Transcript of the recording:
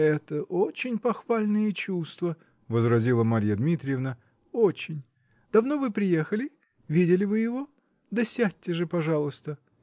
-- Это очень похвальные чувства, -- возразила Марья Дмитриевна, -- очень. Давно вы приехали? Видели вы его? Да сядьте же, пожалуйста.